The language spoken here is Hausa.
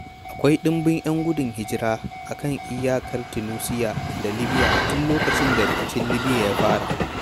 Akwai ɗimbin 'yan gudun hijira a kan iyakar Tunusia da Libya tun lokacin da rikicin Libya ya fara.